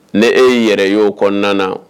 Ne e y'i yɛrɛ y'o kɔɔna na